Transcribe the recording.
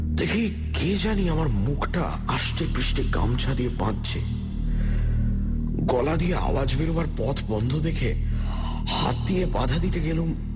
দেখি কে জানি আমার মুখটা আষ্ট্রেপৃষ্ঠে গামছা দিয়ে বাঁধছে গলা দিয়ে আওয়াজ বেরোবার পথ বন্ধ দেখে হাত দিয়ে বাধা দিতে গেলুম